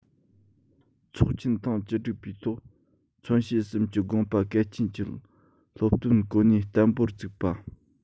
ཚོགས ཆེན ཐེངས བཅུ དྲུག པའི ཐོག མཚོན བྱེད གསུམ གྱི དགོངས པ གལ ཆེན གྱི སློབ སྟོན གོ གནས བརྟན པོར བཙུགས པ